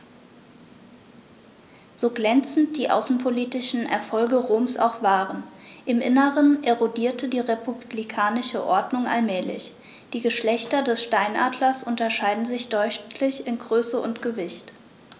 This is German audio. So glänzend die außenpolitischen Erfolge Roms auch waren: Im Inneren erodierte die republikanische Ordnung allmählich. Die Geschlechter des Steinadlers unterscheiden sich deutlich in Größe und Gewicht.